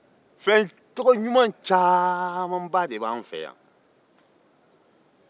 tɔgɔ ɲuman camanba de b'an fɛ yan